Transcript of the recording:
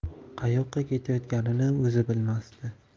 qayoqqa ketayotganini o'zi bilmasdi